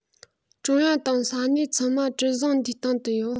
ཀྲུང དབྱང དང ས གནས ཚང མ གྲུ གཟིངས འདིའི སྟེང དུ ཡོད